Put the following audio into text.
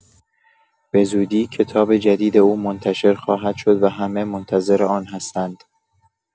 بزودی کتاب جدید او منتشر خواهد شد و همه منتظر آن هستند.